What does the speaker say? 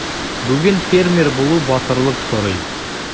Бүген фермер булу батырлык сорый.